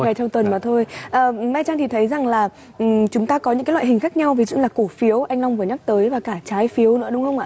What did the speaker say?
ngày trong tuần mà thôi ờ mai trang thì thấy rằng là chúng ta có những cái loại hình khác nhau ví dụ như là cổ phiếu anh long vừa nhắc tới và cả trái phiếu nữa đúng không ạ